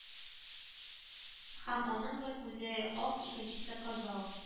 Һәм аның бер күзе ак икенчесе кызыл